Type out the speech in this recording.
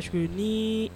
S ni